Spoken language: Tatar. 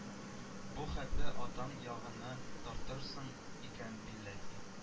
Бу хәтле атаң ягына тартырсың икән билләһи